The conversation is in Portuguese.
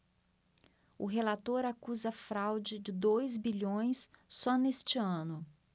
relator acusa fraude de dois bilhões só neste ano